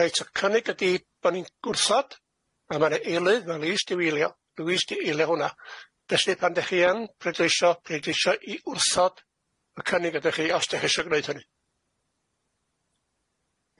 Reit y cynnig ydi bo' ni'n gwrthod, a ma' 'na eilydd Louise di eilio dwi'n is Louise eilio hwnna felly pan dy chi yn pleidreisio pleidreisio i wrthod y cynnig ydych chi os 'dych chi isio gneud hynny.